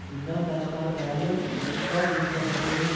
bundan tashqari muallif kitob versiyasiga bir